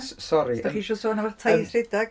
S- sori... Os dach chi eisiau sôn am eich taith rhedeg?